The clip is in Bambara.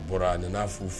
U bɔra a n'a fo fo